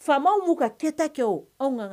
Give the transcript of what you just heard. Faamaw m'u ka kɛta kɛ o, anw ka